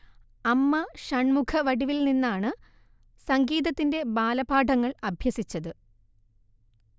അമ്മ ഷൺമുഖവടിവിൽ നിന്നാണ് സംഗീതത്തിന്റെ ബാലപാഠങ്ങൾ അഭ്യസിച്ചത്